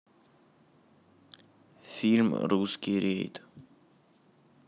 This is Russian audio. фильм русский рейд